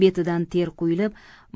betidan ter quyilib